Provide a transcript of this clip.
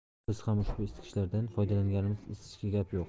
biz ham ushbu isitgichlardan foydalanganmiz isitishiga gap yo'q